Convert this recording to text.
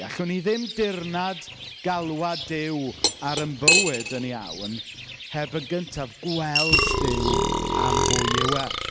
Allwn ni ddim dirnad galwad Duw ar ein bywyd yn iawn heb yn gyntaf gweld Duw am bwy yw e.